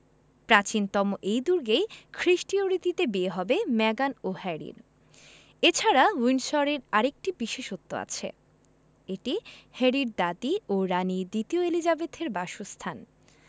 প্রাচীনতম এই দুর্গেই খ্রিষ্টীয় রীতিতে বিয়ে হবে মেগান ও হ্যারির এ ছাড়া উইন্ডসরের আরেকটি বিশেষত্ব আছে এটি হ্যারির দাদি ও রানি দ্বিতীয় এলিজাবেথের বাসস্থান